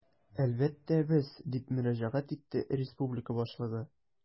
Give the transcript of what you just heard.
Әлбәттә, без, - дип мөрәҗәгать итте республика башлыгы.